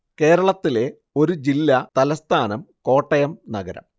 കേരളത്തിലെ ഒരു ജില്ല തലസ്ഥാനം കോട്ടയം നഗരം